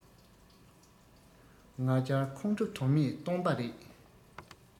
ང རྒྱལ ཁོང ཁྲོ དོན མེད སྟོང པ རེད